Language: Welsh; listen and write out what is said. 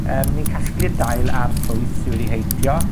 yym ni'n casglu'r dail a'r ffrwyth sy wedi heintio.